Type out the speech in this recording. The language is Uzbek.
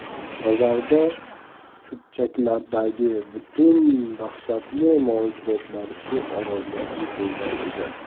nazarida cho'pchaklardagi butun dahshatli mavjudotlar shu orolga in qo'ygan edi